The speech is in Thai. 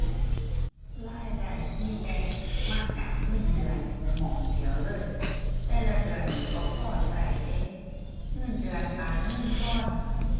รายได้มีแต่มาจากเงินเดือนหม้องเดียวเลย แต่ละเดือนนี่บ่พอใช้เดะ เงินเดือนปานเงินทอน